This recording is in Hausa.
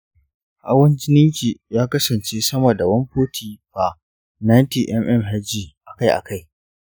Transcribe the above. hawan jininki ya kasance sama da 140/90 mmhg akai-akai.